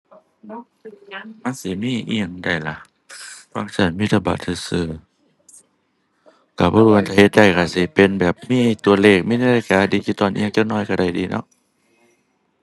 มันสิมีอิหยังได้ล่ะ ฟังก์ชันมีแต่บัตรซื่อซื่อ ก็บ่รู้ว่าจะเฮ็ดได้ ก็สิเป็นแบบมีตัวเลข มีนาฬิกาดิจิทัลอิหยังจักหน่อยก็ได้เดะเนาะ